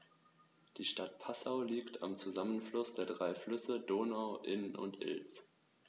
Die Stadt Passau liegt am Zusammenfluss der drei Flüsse Donau, Inn und Ilz.